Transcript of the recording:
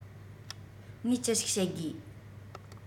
ངས ཅི ཞིག བཤད དགོས